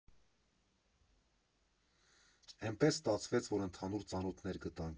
Էնպես ստացվեց, որ ընդհանուր ծանոթներ գտանք։